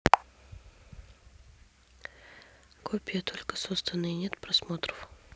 копия только созданные нет просмотров